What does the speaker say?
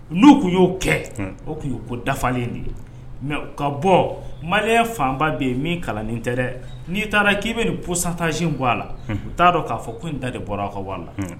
N'u tun y'o kɛ. Un. O tun ye ko dafalen de ye, mais u ka bɔ Malien fanba bɛ yen min kalannen tɛ dɛ! n'i tara k'i bɛ nin poucentae in bɔ a la. Unhun. U t'a dɔn ko nin da de bɔr'aw ka wari la. Unhun.